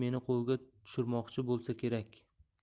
meni qo'lga tushurmoqchi bo'lsa kerak